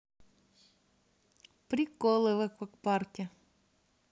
приколы в аквапарке